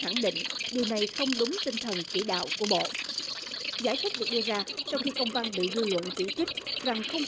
khẳng định điều này không đúng tinh thần chỉ đạo của bộ giải thích được đưa ra sau khi công văn bị dư luận chỉ trích rằng không